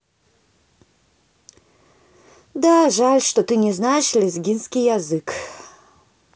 да жаль что ты не знаешь лезгинский язык